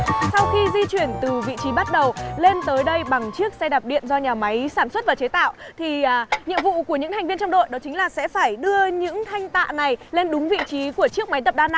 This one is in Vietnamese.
khi di chuyển từ vị trí bắt đầu lên tới đây bằng chiếc xe đạp điện do nhà máy sản xuất và chế tạo thì nhiệm vụ của những thành viên trong đội đó chính là sẽ phải đưa những thanh tạ này lên đúng vị trí của chiếc máy tập đa năng